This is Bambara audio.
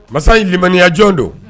Masa in limaniya jɔn don